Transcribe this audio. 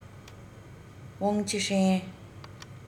ཝང ཆི ཧྲན